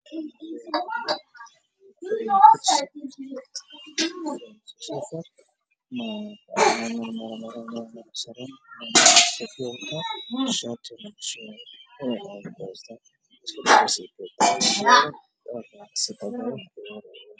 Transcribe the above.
Meeshan waxaa fadhiyo oday wato sharci ah koonfur gacantana ku haysto dhul maamadna garabka u saarantahay